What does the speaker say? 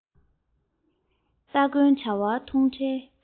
སྟ གོན བྱ བ མཐོང འཕྲལ